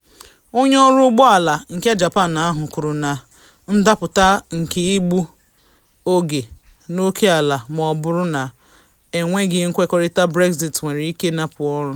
Onye ọrụ ụgbọ ala nke Japan ahụ kwuru na ndapụta nke igbu oge n’oke ala ma ọ bụrụ na enweghị nkwekọrịta Brexit nwere ike napụ ọrụ.